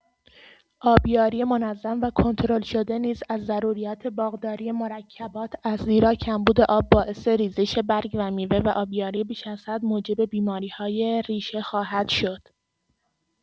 آبیاری منظم و کنترل‌شده نیز از ضروریات باغداری مرکبات است زیرا کمبود آب باعث ریزش برگ و میوه و آبیاری بیش از حد موجب بیماری‌های ریشه خواهد شد.